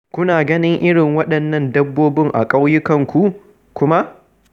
Kuna ganin irin waɗannan dabbobin a ƙauyukanku?, kuma